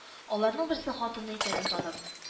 Аларның берсе хатыны икәнен танып